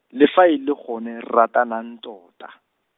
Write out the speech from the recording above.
le fa e le gone ratanang tota.